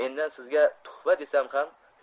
mendan sizga tuhfa desam ham